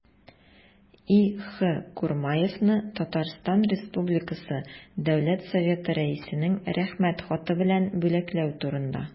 И.Х. Курмаевны Татарстан республикасы дәүләт советы рәисенең рәхмәт хаты белән бүләкләү турында